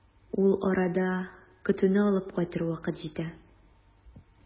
Ул арада көтүне алып кайтыр вакыт җитә.